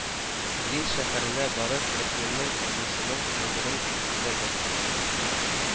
Клин шәһәренә барып, әтиемнең абыйсының каберен эзләдем